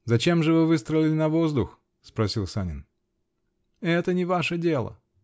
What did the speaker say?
-- Зачем вы выстрелили на воздух? -- спросил Санин. -- Это не ваше дело.